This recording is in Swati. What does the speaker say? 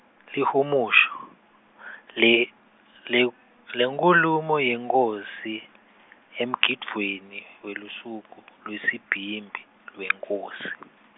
lihumusho, le le lenkhulumo yenkhosi, emgidvweni welusuku lwesibhimbi lwenkhosi.